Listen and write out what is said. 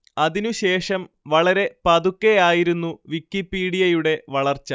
അതിന് ശേഷം വളരെ പതുക്കെ ആയിരുന്നു വിക്കിപീഡിയയുടെ വളർച്ച